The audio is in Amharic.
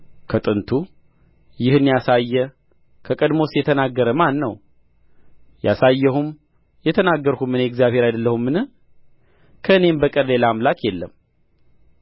ከጥንቱ ይህን ያሳየ ከቀድሞስ የተናገረ ማን ነው ያሳየሁም የተናገርሁም እኔ እግዚአብሔር አይደለሁምን ከእኔም በቀር ሌላ አምላክ የለም